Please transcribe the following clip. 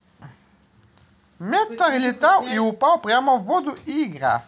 metal летал и упал прямо в воду игра